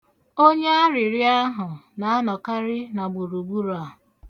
Onye arịrịọ ahụ na-anọkarị na gburugburu a.